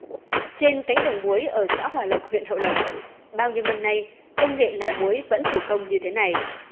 trên cánh đồng muối ở xã hòa lộc huyện hậu lộc bao nhiêu năm nay công nghệ làm muối vẫn thủ công như thế này